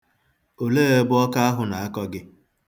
Olee ebe ọkọ ahụ na-akọ gị?